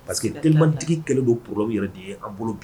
Parce que denibamantigi kɛlɛ don kɔrɔ yɛrɛ de ye a bolo bi